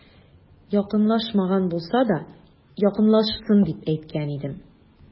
Якынлашмаган булса да, якынлашсын, дип әйткән идем.